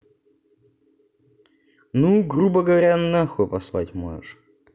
ну грубо говоря на хуй послать можешь